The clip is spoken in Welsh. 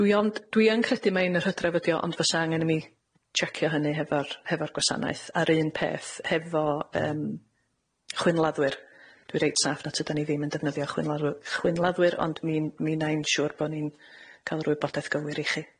Dwi ond- dwi yn credu mai yn yr hydref ydi o, ond fysa angen i mi checio hynny hefo'r hefo'r gwasanaeth. Ar un peth hefo yym chwynladdwyr, dwi reit saff na tydan ni ddim yn defnyddio chwynladdw- chwynladdwyr, ond mi mi wna i'n siŵr bo' ni'n ca'l yr wybodaeth gywir i chi.